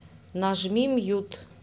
нажми мьют